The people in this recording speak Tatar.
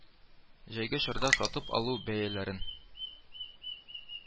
Жәйге чорда сатып алу бәяләрен